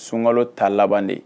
Sunkalo 10 laban de